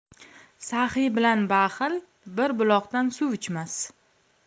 saxiy bilan baxil bir buloqdan suv ichmas